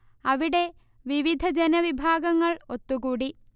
അവിടെ വിവിധ ജനവിഭാഗങ്ങൾ ഒത്തുകൂടി